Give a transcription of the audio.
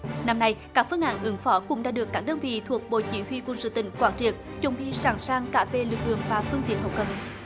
năm nay các phương án ứng phó cũng đã được các đơn vị thuộc bộ chỉ huy quân sự tỉnh quảng trị chuẩn bị sẵn sàng cả về lực lượng và phương tiện hậu cần